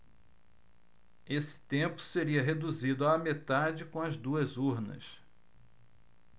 esse tempo seria reduzido à metade com as duas urnas